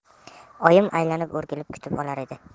oyim aylanib o'rgilib kutib olar edi